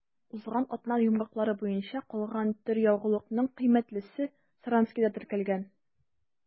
Узган атна йомгаклары буенча калган төр ягулыкның кыйммәтлесе Саранскида теркәлгән.